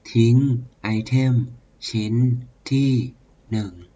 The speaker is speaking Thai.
ทิ้งไอเทมชิ้นที่หนึ่ง